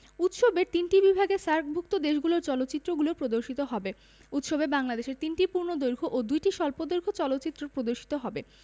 উৎসবের তিনটি বিভাগে সার্কভুক্ত দেশের চলচ্চিত্রগুলো প্রদর্শিত হবে উৎসবে বাংলাদেশের ৩টি পূর্ণদৈর্ঘ্য ও ২টি স্বল্পদৈর্ঘ্য চলচ্চিত্র প্রদর্শিত হবে